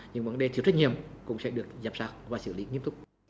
những vấn đề thiếu trách nhiệm cũng sẽ được giám sát và xử lý nghiêm túc